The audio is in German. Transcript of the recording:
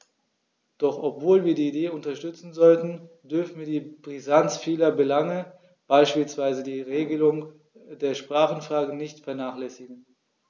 Doch obwohl wir die Idee unterstützen sollten, dürfen wir die Brisanz vieler Belange, beispielsweise die Regelung der Sprachenfrage, nicht vernachlässigen.